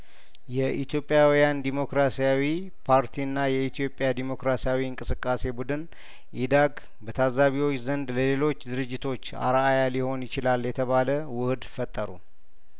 የኢትዮጵያውያን ዴሞክራሲያዊ ፓርቲና የኢትዮጵያ ዴሞክራሲያዊ እንቅስቃሴ ቡድን ኢዳግ በታዛቢዎች ዘንድ ለሌሎች ድርጅቶች አርአያሊሆን ይችላል የተባለውህድ ፈጠሩ